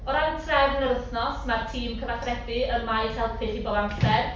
O ran trefn yr wythnos, mae'r tîm cyfathrebu yma i'ch helpu chi bob amser.